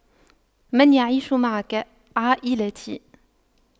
من يعيش معك عائلتي